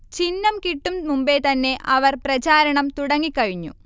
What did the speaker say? ചിഹ്നം കിട്ടും മുൻപേ തന്നെ അവർ പ്രചാരണം തുടങ്ങിക്കഴിഞ്ഞു